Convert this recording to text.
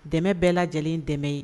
Dɛmɛ bɛɛ lajɛlen ye dɛmɛ ye